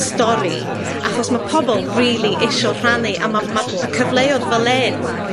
stori, achos ma' pobol rili iso rhannu a ma' ma' ma' cyfleuodd fel 'yn